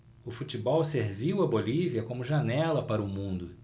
o futebol serviu à bolívia como janela para o mundo